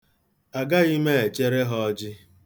Agaghị m echere ha ọjị.